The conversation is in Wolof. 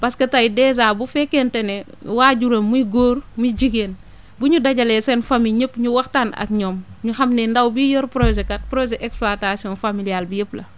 parce que tey dèjà bu fekkente ne waajuram muy góor muy jigéen bu ñu dajalee seen famille ñëpp ñu waxtaan ak ñoom ñu xam ne ndaw bi yor projet kat projet exploitation familiale bi yëpp la